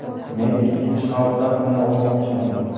men ikkinchi qavatdan xona olmoqchiman